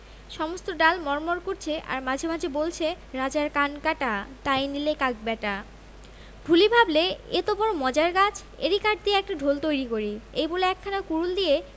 সমস্ত ডাল মড়মড় করছে আর মাঝে মাঝে বলছে রাজার কান কাটা তাই নিলে কাক ব্যাটা ঢুলি ভাবলে এ তো বড়ো মজার গাছ এরই কাঠ দিয়ে একটা ঢোল তৈরি করি এই বলে একখানা কুডুল নিয়ে